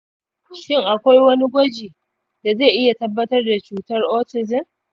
shin akwai wani gwaji da zai iya tabbatar da cutar autism?